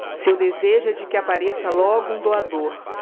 seu desejo é de que apareça logo um doador